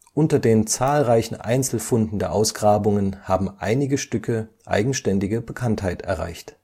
Unter den zahlreichen Einzelfunden der Ausgrabungen haben einige Stücke eigenständige Bekanntheit erreicht